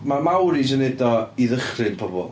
Ma' Māoris yn wneud o i ddychryn pob.